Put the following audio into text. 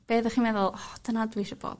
Be' oddych chi'n meddwl dyna dwi isio bo'?